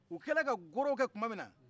u kelen ka gorow kɛ tumaminna